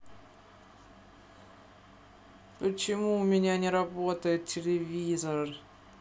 почему у меня не работает телевизор